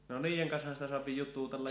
no niiden kanssahan sitä saa jutuutella jo